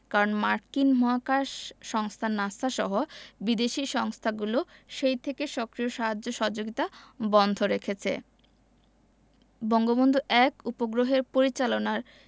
কারণ মার্কিন মহাকাশ সংস্থা নাসা সহ বিদেশি সংস্থাগুলো সেই থেকে সক্রিয় সাহায্য সহযোগিতা বন্ধ রেখেছে বঙ্গবন্ধু ১ উপগ্রহের পরিচালনার